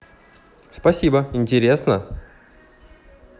спасибо интересно